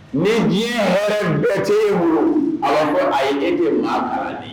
Ni diɲɛ hɛrɛ bɛɛ t'e bolo Ale ko ayi e te maa kalannen ye